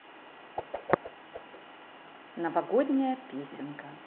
новогодняя песенка